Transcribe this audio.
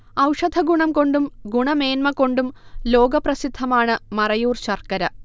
ഔഷധഗുണം കൊണ്ടും ഗുണമേൻമ കൊണ്ടും ലോകപ്രസിദ്ധമാണ് മറയൂർ ശർക്കര